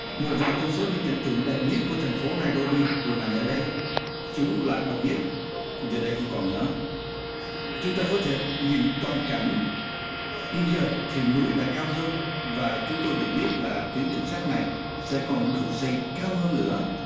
một vài trong số những cảnh tượng đẹp nhất của thành phố nai rô bi đều nằm ở đây chúng là độc nhất giờ đây không còn nữa chúng ta có thể nhìn toàn cảnh nhưng giờ thì núi đã cao hơn và chúng tôi được biết là tuyến đường sắt này sẽ còn được xây cao hơn nữa